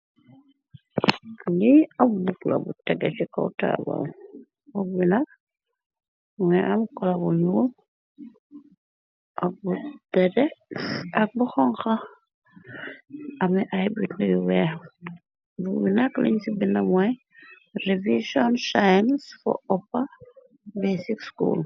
Li ab bukkla bu tegé ci kowtaba obna moy am kolabu ñur akbdere ak bu xonxa ami ay bitnyi weex bu binak liñci binamooy revision "science" fo opper bésik "school".